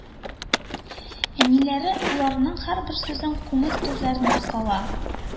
Әниләре улларының һәрбер сүзен күңел түрләренә сала